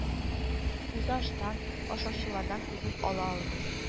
Үзе аштан, ашаучылардан күзен ала алмый